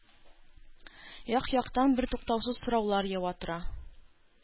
Як-яктан бертуктаусыз сораулар ява тора.